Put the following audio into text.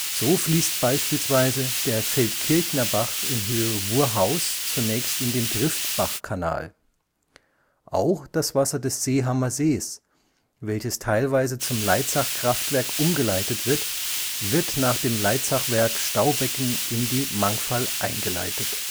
So fließt beispielsweise der Feldkirchnerbach in Höhe Wuhrhaus zunächst in den Triftbach-Kanal. Auch das Wasser des Seehamer Sees, welches teilweise zum Leitzach-Kraftwerk umgeleitet wird, wird nach dem Leitzachwerk Staubecken in die Mangfall eingeleitet